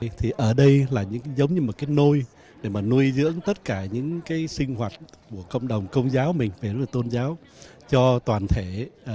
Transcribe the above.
thì ở đây là những giống như một cái nôi để mà nuôi dưỡng tất cả những cây sinh hoạt của cộng đồng công giáo mình phải là tôn giáo cho toàn thể